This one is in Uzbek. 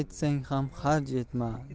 etsang ham xarj etma